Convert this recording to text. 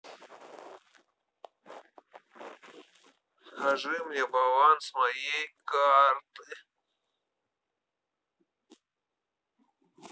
скажи мне баланс моей карты